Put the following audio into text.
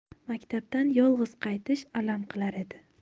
maktabdan yolg'iz qaytish alam qilar edi